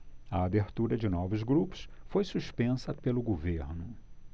a abertura de novos grupos foi suspensa pelo governo